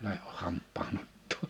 lähde hampaan ottoon